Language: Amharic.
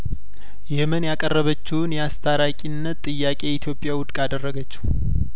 የመን ያቀረበችውን የአስታራቂነት ጥያቄ ኢትዮጵያውድቅ አደረገችው